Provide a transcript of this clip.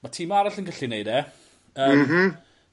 mae time arall yn gallu neud e yym. M-hm.